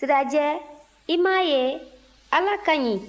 sirajɛ i m'a ye ala ka ɲi